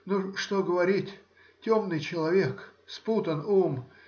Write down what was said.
Ну, что говорить,— темный человек. спутан ум.